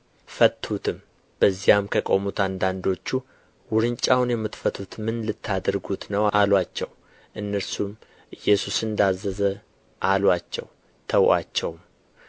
ፈቱትም በዚያም ከቆሙት አንዳንዶቹ ውርንጫውን የምትፈቱት ምን ልታደርጉት ነው አሉአቸው እነርሱም ኢየሱስ እንዳዘዘ አሉአቸው ተዉአቸውም